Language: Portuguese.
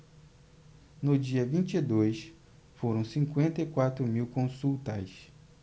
no dia vinte e dois foram cinquenta e quatro mil consultas